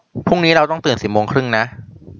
พรุ่งนี้เราต้องตื่นสิบโมงครึ่งนะ